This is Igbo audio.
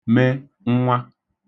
me nnwa